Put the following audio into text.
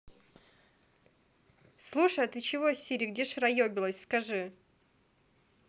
слушай а ты че сири где шараебилась скажи